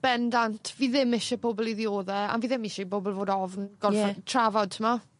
Bendant fi ddim isie pobol i ddiodde. A fi ddim isie i bobol bod ofn gorffod... Ie. ...trafod t'mo?